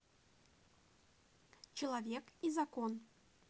человек и закон